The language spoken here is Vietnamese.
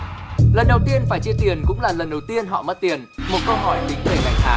lần đầu tiên phải chia tiền cũng là lần đầu tiên họ mất tiền một câu hỏi tính tiền hàng tháng